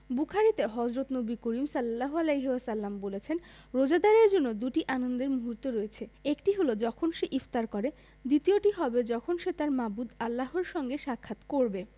বুখারিতে হজরত নবী করিম সা বলেছেন রোজাদারের জন্য দুটি আনন্দের মুহূর্ত রয়েছে একটি হলো যখন সে ইফতার করে দ্বিতীয়টি হবে যখন সে তাঁর মাবুদ আল্লাহর সঙ্গে সাক্ষাৎ করবে